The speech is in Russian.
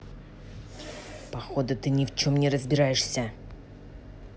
походу ты ни в чем не разбираешься